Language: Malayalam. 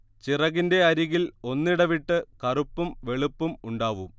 ചിറകിന്റെ അരികിൽ ഒന്നിടവിട്ട് കറുപ്പും വെളുപ്പും ഉണ്ടാവും